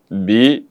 Bi